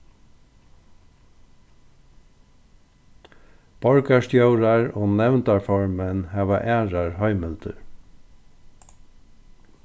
borgarstjórar og nevndarformenn hava aðrar heimildir